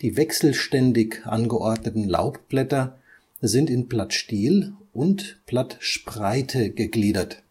Die wechselständig angeordneten Laubblätter sind in Blattstiel und Blattspreite gegliedert.